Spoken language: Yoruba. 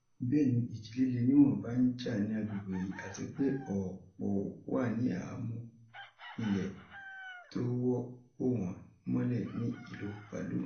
Bẹ́ẹ̀ ni ìjì-líle níwọ̀nba ń ja ní àgbègbè yí. Àti pé ọ̀pọ̀ wà ní àhámọ́ ilé tó wó bò wọ́n mọlẹ̀ ní ìlú Palu.